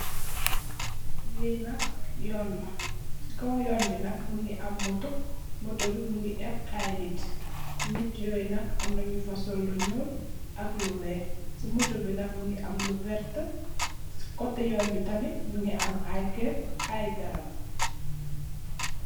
Lee nak yoon la se kaw yon be nak muge am motor motorbe muge ebb aye neet se neet yuy nak amna nufa sol lu nuul ak lu weex se motor be nak muge am lu verte se koteh yoon be tamin muge am aye kerr ak aye garab.